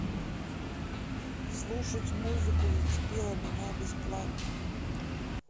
слушать музыку зацепила меня бесплатно